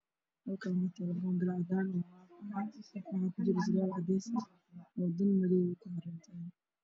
Waa boombal cadaan waxaa ku jiro surwaal caddeys oo xalay ku xiran yahay beesha u yaala waa caddaan